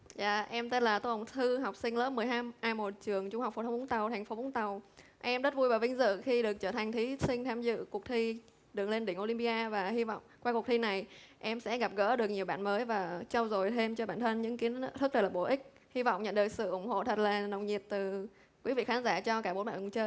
dạ em tên là tô hồng thư học sinh lớp mười hai a một trường trung học phổ thông vũng tàu thành phố vũng tàu em rất vui và vinh dự khi được trở thành thí sinh tham dự cuộc thi đường lên đỉnh ô lim pi a và hy vọng qua cuộc thi này em sẽ gặp gỡ được nhiều bạn mới và trau dồi thêm cho bản thân những kiến thức thật là bổ ích hy vọng nhận được sự ủng hộ thật là nồng nhiệt từ quý vị khán giả cho cả bốn bạn cùng chơi ạ